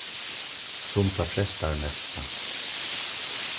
sum tá prestar messa